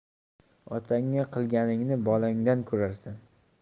otangga qilganingni bolangdan ko'rarsan